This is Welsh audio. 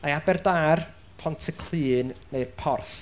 Ai Aberdâr, Pontyclun neu'r Porth?